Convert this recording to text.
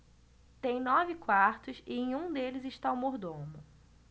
tem nove quartos e em um deles está o mordomo